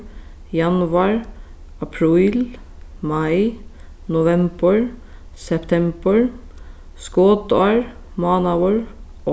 januar apríl mai novembur septembur skotár mánaður